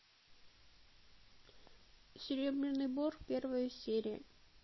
серебряный бор первая серия